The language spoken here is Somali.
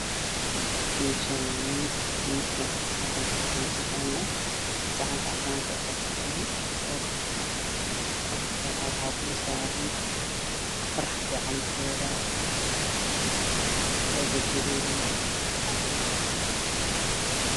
Mishaan waa miis waxaa saran Saxanka cadaan saxanka waxaa ku jiro oodkac waxaa dul saran afarxapo canjeera ah oo gad gaduudan